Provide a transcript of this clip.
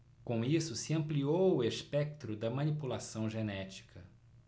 com isso se ampliou o espectro da manipulação genética